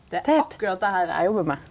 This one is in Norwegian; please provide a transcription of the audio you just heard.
det er akkurat det her eg jobbar med.